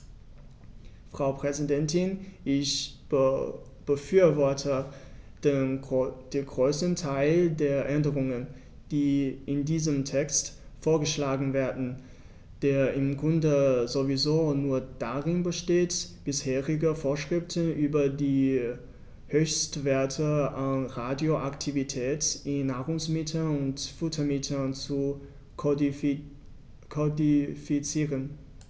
Frau Präsidentin, ich befürworte den größten Teil der Änderungen, die in diesem Text vorgeschlagen werden, der im Grunde sowieso nur darin besteht, bisherige Vorschriften über die Höchstwerte an Radioaktivität in Nahrungsmitteln und Futtermitteln zu kodifizieren.